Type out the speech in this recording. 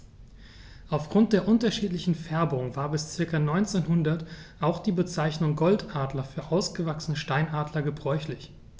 Auf Grund der unterschiedlichen Färbung war bis ca. 1900 auch die Bezeichnung Goldadler für ausgewachsene Steinadler gebräuchlich.